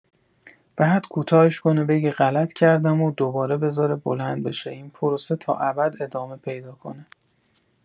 بعد کوتاهش کنه بگه غلط کردم و دوباره بزاره بلند بشه این پروسه تا ابد ادامه پیدا کنه.